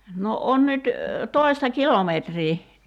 no on nyt toista kilometriä